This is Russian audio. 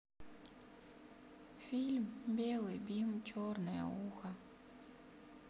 фильм белый бим черное ухо